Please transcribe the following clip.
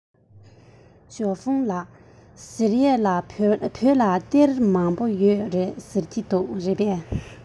ཞའོ ཧྥུང ལགས ཟེར ཡས ལ བོད ལ གཏེར མང པོ ཡོད རེད ཟེར གྱིས རེད པས